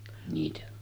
niitä